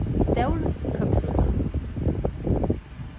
stór køksrulla